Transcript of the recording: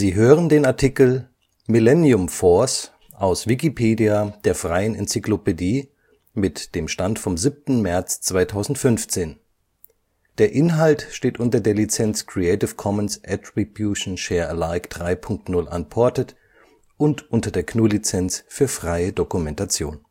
hören den Artikel Millennium Force, aus Wikipedia, der freien Enzyklopädie. Mit dem Stand vom Der Inhalt steht unter der Lizenz Creative Commons Attribution Share Alike 3 Punkt 0 Unported und unter der GNU Lizenz für freie Dokumentation